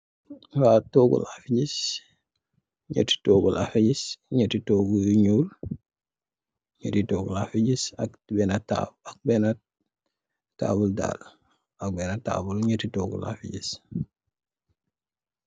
Waw tognu laafi giss, gneeti tognu laafi giss, gneeti tognu laafi giss yui nuul, gneeti tognu laafi giss, ak bena tabul, ak bena tabul daal, ak bena tabul, gneeti tognu laafi giss.